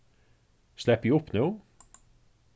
sleppi eg upp nú